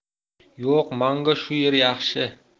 yo'q mango shu yer yaxshi